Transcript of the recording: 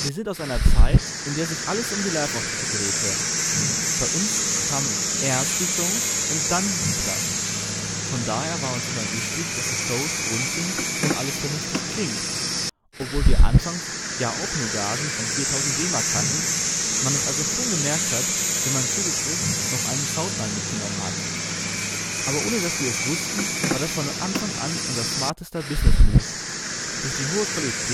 sind aus einer Zeit, in der sich alles um die Live-Auftritte drehte: Bei uns kamen erst die Shows, und dann die Platten. Von daher war uns immer wichtig, dass die Shows rund sind und alles vernünftig klingt – obwohl wir anfangs ja auch nur Gagen von 4.000 DM hatten, man es also schon gemerkt hat, wenn man zusätzlich noch einen Soundmann mitgenommen hat. Aber ohne dass wir es wussten, war das von Anfang an unser smartester Business-Move. Durch die hohe Qualität haben wir